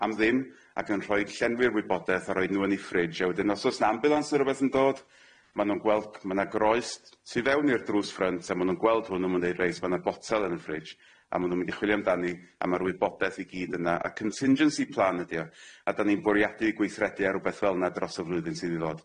am ddim ac yn rhoid llenwi'r wybodeth a roid nw yn 'i ffrij a wedyn os o's 'na ambiwlans neu' rwbeth yn dod ma' nw'n gweld ma' 'na groes tu fewn i'r drws ffrynt a ma' nw'n gweld hwn yn ma' nw'n deud reit ma' 'na botel yn y ffrij a ma' nw'n mynd i chwilio amdani a ma'r wybodeth i gyd yna a contingency plan ydi o a 'dan ni'n bwriadu gweithredu ar rwbeth fel 'na dros y flwyddyn sydd i ddod.